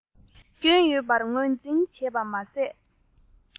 སྐྱོན ཡོད པར ངོས འཛིན བྱས པ མ ཟད